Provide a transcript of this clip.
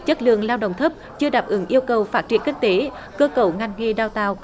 chất lượng lao động thấp chưa đáp ứng yêu cầu phát triển kinh tế cơ cấu ngành nghề đào tạo